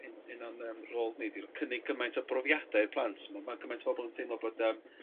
un un o'n yym rôls ni 'dyw cynnig gymaint o brofiade i'r plant ma' ma' gymaint o bobol yn teimlo bod yym